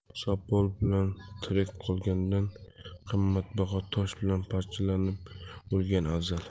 sopol bilan tirik qolgandan qimmatbaho tosh bilan parchalanib o'lgan afzal